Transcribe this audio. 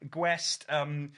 Gwest yym